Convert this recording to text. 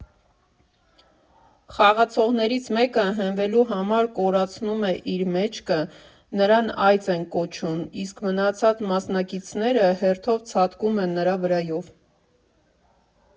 Խաղացողներից մեկը հենվելու համար կորացնում է իր մեջքը (նրան «այծ» են կոչում), իսկ մնացած մասնակիցները հերթով ցատկում են նրա վրայով։